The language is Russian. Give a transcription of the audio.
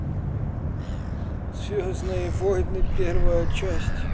звездные войны первая часть